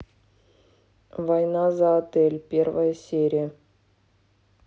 война за отель первая серия